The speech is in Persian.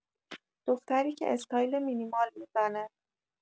دختری که استایل مینیمال می‌زنه